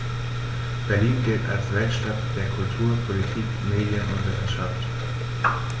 Berlin gilt als Weltstadt der Kultur, Politik, Medien und Wissenschaften.